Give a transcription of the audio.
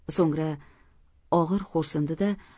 so'ngra og'ir xo'rsindi da